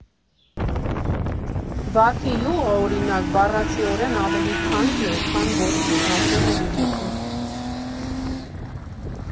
Վարդի յուղը, օրինակ, բառացիորեն ավելի թանկ է, քան ոսկին, ֊ ասում է Լիլիթը։